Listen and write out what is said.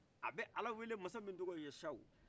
ab' ala wele masa min tɔgɔye yachau